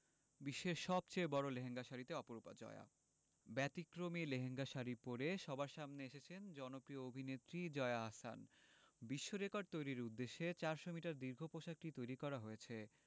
বিশ্বের সবচেয়ে বড় লেহেঙ্গা শাড়িতে অপরূপা জয়া ব্যতিক্রমী লেহেঙ্গা শাড়ি পরে সবার সামনে এসেছেন জনপ্রিয় অভিনেত্রী জয়া আহসান বিশ্বরেকর্ড তৈরির উদ্দেশ্যে ৪০০ মিটার দীর্ঘ পোশাকটি তৈরি করা হয়েছে